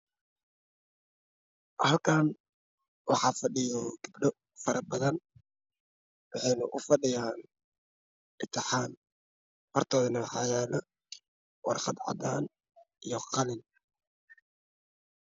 Halkaan waxaa fadhiyo gabdho faro badan waxayna u fadhiyaan imtixaan hortoodana waxaa yaallo warqad caddaan iyo qalin